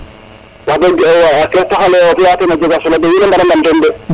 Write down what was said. wax deg a coktale o fiya ten a jega solo de wiin we mbara ndam ten de